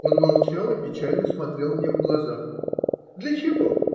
Он молчал и печально смотрел мне в глаза. - Для чего?